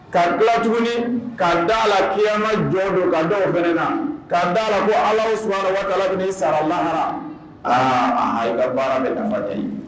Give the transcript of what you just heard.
' bila tuguni ka dala la keyama jɔ don la bɛna k ka dala la ko ala su dala sara lahara aa a ka baara de